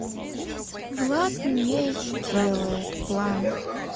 влад не сделает план